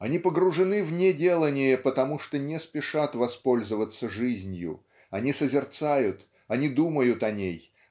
Они погружены в неделание потому, что не спешат воспользоваться жизнью они созерцают они думают о ней